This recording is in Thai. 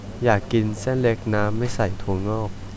อยากกินเส้นเล็กน้ำไม่ใส่ถั่วงอก